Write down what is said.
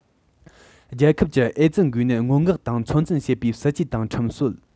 རྒྱལ ཁབ ཀྱི ཨེ ཙི འགོས ནད སྔོན འགོག དང ཚོད འཛིན བྱེད པའི སྲིད ཇུས དང ཁྲིམས སྲོལ